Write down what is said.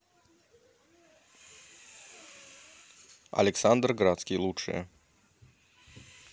александр градский лучшее